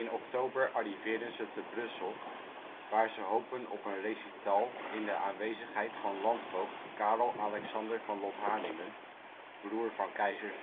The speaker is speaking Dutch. oktober arriveren ze te Brussel waar ze hopen op een recital in de aanwezigheid van landvoogd Karel Alexander van Lotharingen (broer van keizer